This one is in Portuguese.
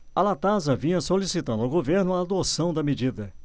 a latasa vinha solicitando ao governo a adoção da medida